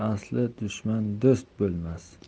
asli dushman do'st bo'lmas